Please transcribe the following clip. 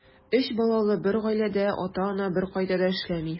Өч балалы бер гаиләдә ата-ана беркайда да эшләми.